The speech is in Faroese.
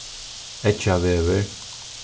eggjavegur